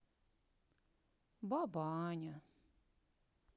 баба аня